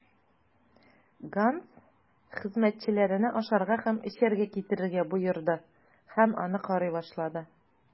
Ганс хезмәтчеләренә ашарга һәм эчәргә китерергә боерды һәм аны карый башлады.